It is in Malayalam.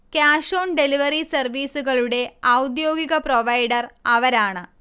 ക്യാഷ് ഓൺ ഡെലിവറി സർവ്വീസുകളുടെ ഔദ്യോഗിക പ്രൊവൈഡർ അവരാണ്